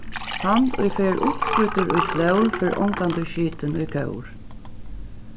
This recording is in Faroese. hann ið fer uppskrýddur í flór fer ongantíð skitin í kór